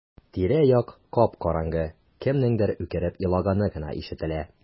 Тирә-як кап-караңгы, кемнеңдер үкереп елаганы гына ишетелә.